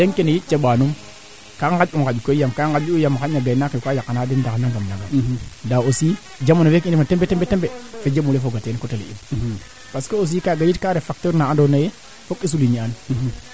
est ce que a takwa aussi no kee ando naye ten xotu manaam o yaajelo le no qol le te ref a liimbel parce que i nga ataa no jamano feeke andaame xan i ndokiido yo teen te ref agriculture moderne nda a jara